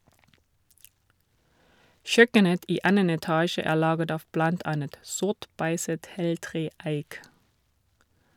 Kjøkkenet i annen etasje er laget av blant annet sort, beiset heltre eik.